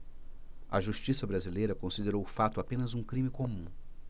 a justiça brasileira considerou o fato apenas um crime comum